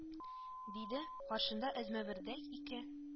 Диде, каршында әзмәвердәй ике